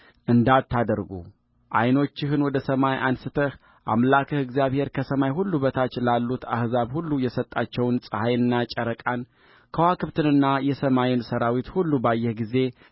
እንዳታደርጉዓይኖችህን ወደ ሰማይ አንሥተህ አምላክህ እግዚአብሔር ከሰማይ ሁሉ በታች ላሉት አሕዛብ ሁሉ የሰጣቸውን ፀሐይንና ጨረቃን ከዋክብትንና የሰማይን ሠራዊት ሁሉ ባየህ ጊዜ ሰግደህላቸው አምልከሃቸውም እንዳትስት ተጠንቀቅ